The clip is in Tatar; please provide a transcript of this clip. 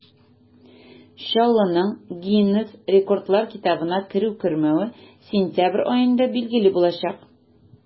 Чаллының Гиннес рекордлар китабына керү-кермәве сентябрь аенда билгеле булачак.